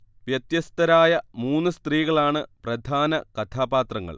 വ്യത്യസ്തരായ മൂന്ന് സ്ത്രീകളാണ് പ്രധാന കഥാപാത്രങ്ങൾ